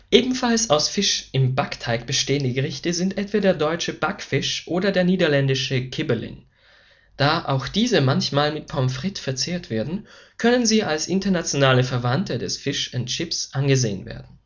Ebenfalls aus Fisch im Backteig bestehende Gerichte sind etwa der deutsche Backfisch oder der niederländische Kibbeling. Da auch diese manchmal mit Pommes Frites verzehrt werden, können sie als internationale Verwandte des Fish and Chips angesehen